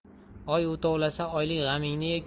oy o'tovlasa oylik g'amingni ye